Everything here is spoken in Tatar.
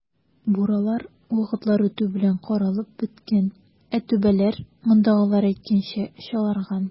Буралар вакытлар үтү белән каралып беткән, ә түбәләр, мондагылар әйткәнчә, "чаларган".